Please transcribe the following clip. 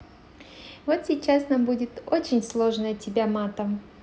вот сейчас нам будет очень сложная тебя матом